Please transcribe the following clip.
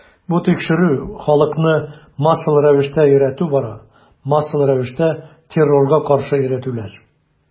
Бу тикшерү, халыкны массалы рәвештә өйрәтү бара, массалы рәвештә террорга каршы өйрәтүләр.